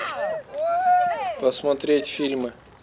посмотреть фильмы